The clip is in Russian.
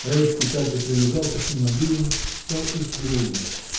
Райский также привязался к ним обеим, стал их другом.